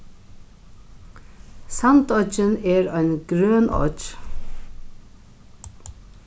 sandoyggin er ein grøn oyggj